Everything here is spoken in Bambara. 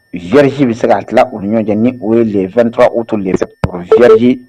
Vierge bɛ se ka tila u ni ɲɔgɔn cɛ ni o ye le 23 aout